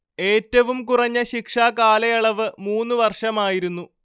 ഏറ്റവും കുറഞ്ഞ ശിക്ഷാ കാലയളവ് മൂന്നു വർഷമായിരുന്നു